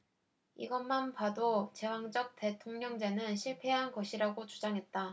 이것만 봐도 제왕적 대통령제는 실패한 것이라고 주장했다